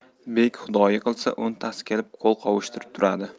bek xudoyi qilsa o'ntasi kelib qo'l qovushtirib turadi